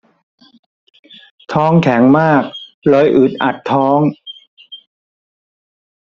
ท้องแข็งมากเลยอึดอัดท้อง